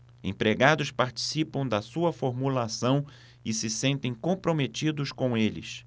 empregados participam da sua formulação e se sentem comprometidos com eles